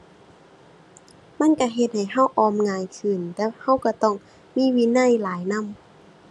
มันก็เฮ็ดให้ก็ออมง่ายขึ้น แต่ก็ก็ต้องมีวินัยหลายนำ